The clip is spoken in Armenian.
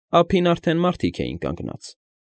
Ափին արդնե մարդիկ էին կանգնած։